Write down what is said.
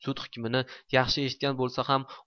sud hukmini yaxshi eshitgan bo'lsa ham